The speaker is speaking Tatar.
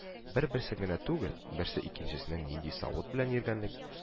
Бер-берсен генә түгел, берсе икенчесенең нинди савыт белән йөргәнлеге